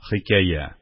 Хикәя